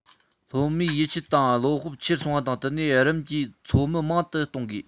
སློབ མའི ཡིད ཆས དང བློ སྤོབས ཆེར སོང བ དང བསྟུན ནས རིམ གྱིས ཚོ མི མང ཏུ གཏོང དགོས